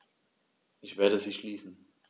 Ich werde sie schließen.